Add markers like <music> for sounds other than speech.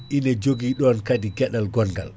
<noise> ina joogui kaadi gueɗal gonngal